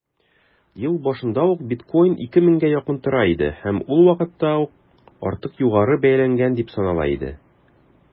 Ел башында ук биткоин 2 меңгә якын тора иде һәм ул вакытта ук артык югары бәяләнгән дип санала иде.